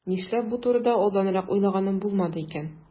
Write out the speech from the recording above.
Нишләп бу турыда алданрак уйлаганым булмады икән?